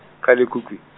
-khal' ekhukhwi-.